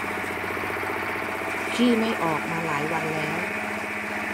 ขี้ไม่ออกมาหลายวันแล้ว